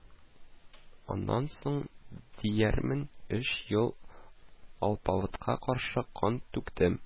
Аннан соң, диярмен, өч ел алпавытка каршы кан түктем